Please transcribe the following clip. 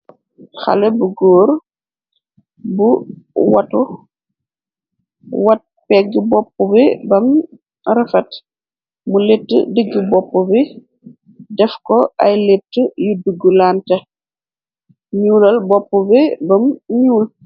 Hale bu gorr bu watu, watt begu bopu bi bam rafet, mu letu digu bopu bu defko ai letu yu dugulanteh, nyulal bopu bi bam nyul.